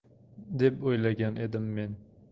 deb o'ylagan edim men